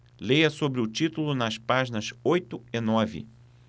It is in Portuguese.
leia sobre o título nas páginas oito e nove